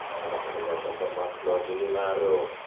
Ond wnaeth hi ffeindio allan bod y landlord wedi marw.